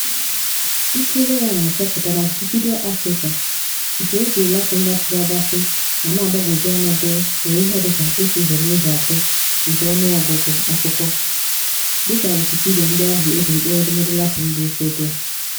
Ntule ya na-achọpụta na Wikipedia Afrịka "nke e jiri Latin gbatịrị agbatị ma na-agbagwoju anya dee nwere ihe dịka otu ụzọ n'ụzọ atọ nke ọnụọgụgụ akụkọ" dịka Wikipedia ndị ahụ e ji mkpụrụedemede Latin dị mfe dee.